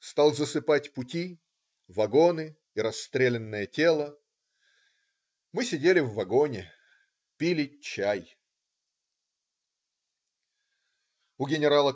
Стал засыпать пути, вагоны и расстрелянное тело. Мы сидели в вагоне. Пили чай. .. У ген.